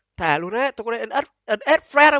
thề luôn ấy tôi có nên ấn ấn ét phen